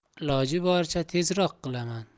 iloji boricha tezroq qilaman